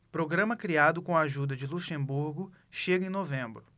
programa criado com a ajuda de luxemburgo chega em novembro